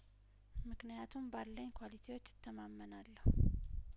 ምክንያቱም ባለኝ ኳሊቲዎች እተማመናለሁ